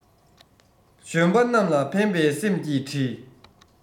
གཞོན པ རྣམས ལ ཕན པའི སེམས ཀྱིས འབྲི